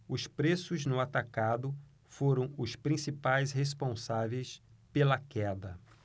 os preços no atacado foram os principais responsáveis pela queda